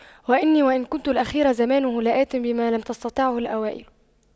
وإني وإن كنت الأخير زمانه لآت بما لم تستطعه الأوائل